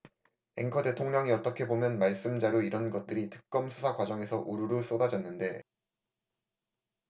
앵커 대통령이 어떻게 보면 말씀자료 이런 것들이 특검 수사 과정에서 우루루 쏟아졌는데